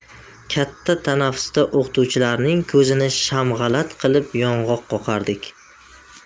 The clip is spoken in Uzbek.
katta tanaffusda o'qituvchilarning ko'zini shamg'alat qilib yong'oq qoqardik